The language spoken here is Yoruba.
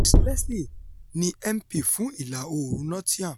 Chris Leslie ni MP fún Ìla-oòrùn Nottingham